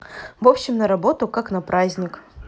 в общем на работу как на праздник